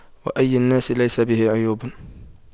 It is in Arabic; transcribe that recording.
وأي الناس ليس به عيوب